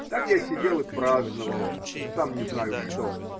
Так я сидел и праздновал сам не знаю что.